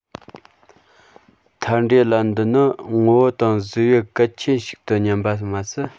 མཐའ འབྲས ལ འདི ནི ངོ བོ དང གཟུགས དབྱིབས གལ ཆེན ཞིག ཏུ སྙམ པ མ ཟད